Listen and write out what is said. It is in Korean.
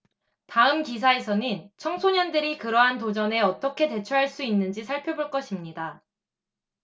다음 기사에서는 청소년들이 그러한 도전에 어떻게 대처할 수 있는지 살펴볼 것입니다